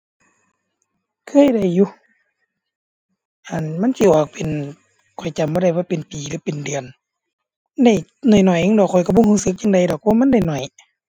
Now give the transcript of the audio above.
อยากให้ประชาสัมพันธ์ข่าวสารหลายหลายกว่านี้ แล้วก็บริการดีดี สุภาพ